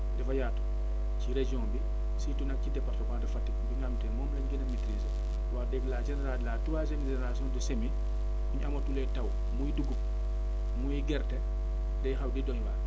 dafa yaatu ci région bi surtout nag ci département de Fatick bi nga xam te moom lañ gën maitriser wax dëgg la généra la troisième génération de semis bu ñu amatulee taw muy dugub muy gerte day xaw di doy waar